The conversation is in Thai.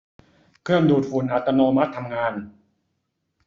เครื่องดูดฝุ่นอัตโนมัติทำงาน